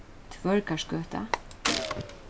tvørgarðsgøta